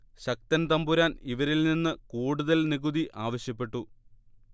ശക്തൻ തമ്പുരാൻ ഇവരിൽ നിന്ന് കൂടുതൽ നികുതി ആവശ്യപ്പെട്ടു